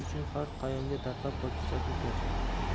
uchun har qayonga tarqab qochsakmikin